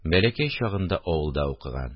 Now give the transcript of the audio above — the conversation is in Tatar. Бәләкәй чагында авылда укыган